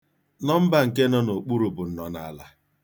Nọmba nke nọ n'okpuru bụ nnọnaala.